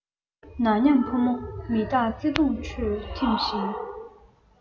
ན མཉམ ཕོ མོ མི རྟག བརྩེ དུངས ཁྲོད འཐིམས ཤིང